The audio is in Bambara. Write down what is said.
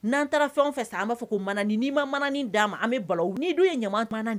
N'an taara fɛnw fɛ san an b'a fɔ ko ma ni ni ma mana ni d'a ma an bɛ bala ni don ye ɲama banna